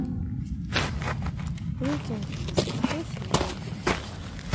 викинги шестой сезон